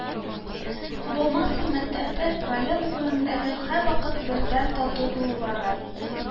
Булмасын, мәктәптәме, район күләмендәме, һәрвакыт бердәм, тату булулары